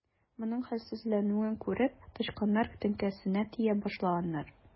Моның хәлсезләнүен күреп, тычканнар теңкәсенә тия башлаганнар.